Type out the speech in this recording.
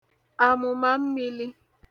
àmụ̀màmmīlī